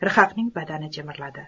rhaqning badani jimirladi